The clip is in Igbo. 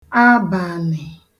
abànị̀